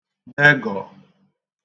degọ̀